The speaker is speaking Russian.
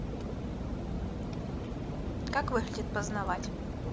как выглядит познавать